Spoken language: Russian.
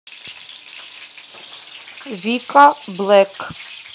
вика блеск